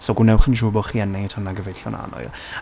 So gwnewch yn siŵr bod chi yn wneud hynna, gyfeillion annwyl.